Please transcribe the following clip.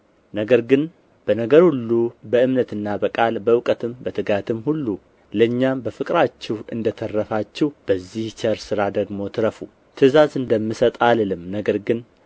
ነገር ግን በነገር ሁሉ በእምነትና በቃል በእውቀትም በትጋትም ሁሉ ለእኛም በፍቅራችሁ እንደ ተረፋችሁ በዚህ ቸር ሥራ ደግሞ ትረፉ ትእዛዝ እንደምሰጥ አልልም ነገር ግን